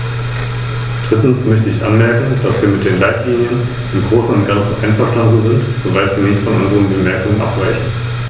Die Umsetzung ist gegenwärtig insbesondere in kleinen Betrieben mit Schwierigkeiten verbunden, denn sie können sich eine solche Stelle nicht leisten.